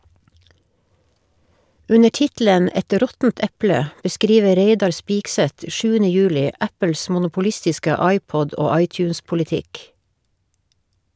Under tittelen "Et råttent eple" beskriver Reidar Spigseth 7. juli Apples monopolistiske iPod- og iTunes-politikk.